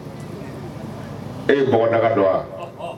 E ye bdaga dɔn wa